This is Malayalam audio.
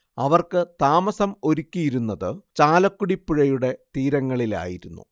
അവർക്ക് താമസം ഒരുക്കിയിരുന്നത് ചാലക്കുടിപ്പുഴയുടെ തീരങ്ങളിലായിരുന്നു